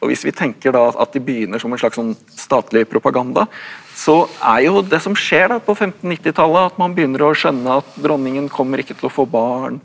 så hvis vi tenker da at de begynner som en slags sånn statlig propaganda, så er jo det som skjer da på femtennittitallet at man begynner å skjønne at dronningen kommer ikke til å få barn.